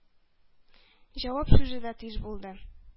Җавап сүзе дә тиз булды.